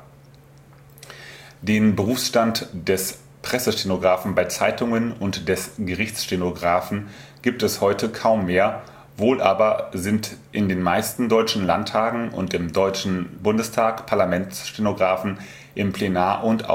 Den Berufsstand des Pressestenografen bei Zeitungen und des Gerichtsstenografen gibt es heute kaum mehr; wohl aber sind in den meisten deutschen Landtagen und im Deutschen Bundestag Parlamentsstenografen im Plenar - und Ausschussdienst